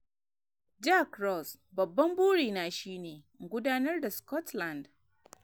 Jack Ross: 'Babban burin na shi ne in gudanar da Scotland'